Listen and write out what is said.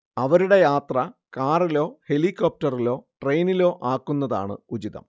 അവരുടെ യാത്ര കാറിലോ ഹെലികോപ്റ്ററിലോ ട്രെയിനിലോ ആക്കുന്നതാണ് ഉചിതം